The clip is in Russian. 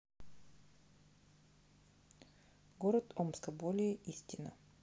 города омска более истина